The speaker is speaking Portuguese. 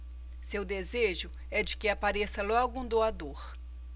seu desejo é de que apareça logo um doador